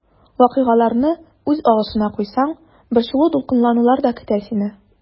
Вакыйгаларны үз агышына куйсаң, борчылу-дулкынланулар да көтә сине.